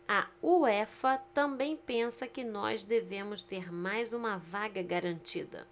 a uefa também pensa que nós devemos ter mais uma vaga garantida